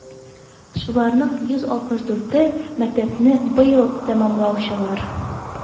Шуларның 164е - мәктәпне быел тәмамлаучылар.